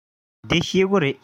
འདི ཤེལ སྒོ རེད